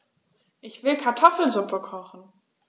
Ich will Kartoffelsuppe kochen.